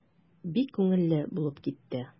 Бик күңелле булып китте.